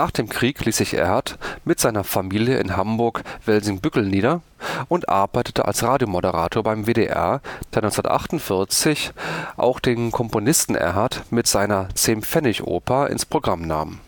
dem Krieg ließ sich Erhardt mit seiner Familie in Hamburg-Wellingsbüttel nieder und arbeitete als Radiomoderator beim NWDR, der 1948 auch den Komponisten Erhardt mit seiner 10-Pfennig-Oper ins Programm nahm